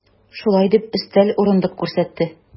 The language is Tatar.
Шулай дип, өстәл, урындык күрсәтте.